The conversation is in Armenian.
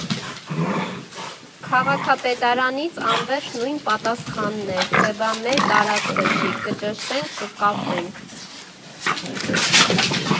«Քաղաքապետարանից անվերջ նույն պատասխանն էր, թե բա՝ մեր տարածքը չի, կճշտենք, կկապվենք։